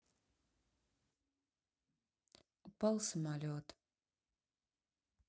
упал самолет